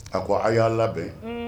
A ko a y'a labɛn